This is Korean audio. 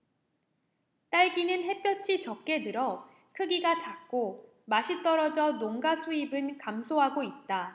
딸기는 햇볕이 적게 들어 크기가 작고 맛이 떨어져 농가 수입은 감소하고 있다